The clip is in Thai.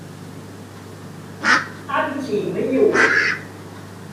อั้นฉี่ไม่อยู่